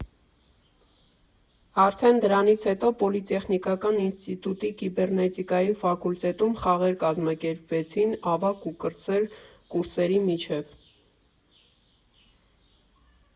Արդեն դրանից հետո Պոլիտեխնիկական ինստիտուտի կիբեռնետիկայի ֆակուլտետում խաղեր կազմակերպվեցին ավագ ու կրտսեր կուրսերի միջև։